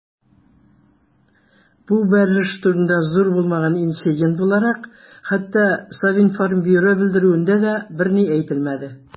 Бу бәрелеш турында, зур булмаган инцидент буларак, хәтта Совинформбюро белдерүендә дә берни әйтелмәде.